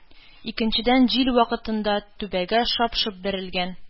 Икенчедән, җил вакытында түбәгә шап-шоп бәрелгән